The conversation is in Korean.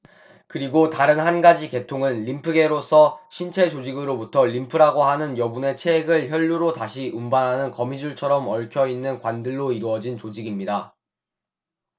그리고 다른 한 가지 계통은 림프계로서 신체 조직으로부터 림프라고 하는 여분의 체액을 혈류로 다시 운반하는 거미줄처럼 얽혀 있는 관들로 이루어진 조직입니다